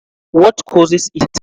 What causes it?